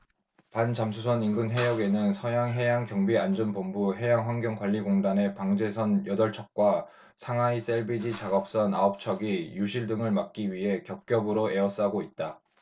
반잠수선 인근해역에는 서해해양경비안전본부 해양환경관리공단의 방제선 여덟 척과 상하이 샐비지 작업선 아홉 척이 유실 등을 막기 위해 겹겹으로 에워싸고 있다